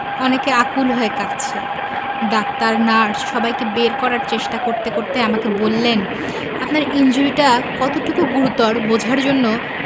অনেকে আকুল হয়ে কাঁদছে ডাক্তার নার্স সবাইকে বের করার চেষ্টা করতে করতে আমাকে বললেন আপনার ইনজুরিটা কতটুকু গুরুতর বোঝার জন্যে